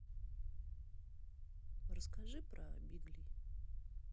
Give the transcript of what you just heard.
расскажи про биглей